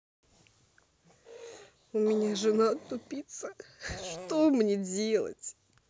у меня жена тупица что мне делать